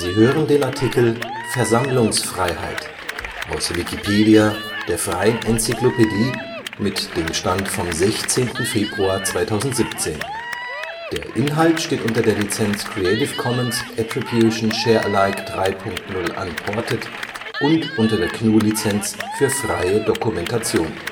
hören den Artikel Versammlungsfreiheit, aus Wikipedia, der freien Enzyklopädie. Mit dem Stand vom Der Inhalt steht unter der Lizenz Creative Commons Attribution Share Alike 3 Punkt 0 Unported und unter der GNU Lizenz für freie Dokumentation